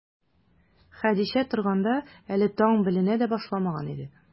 Хәдичә торганда, әле таң беленә дә башламаган иде.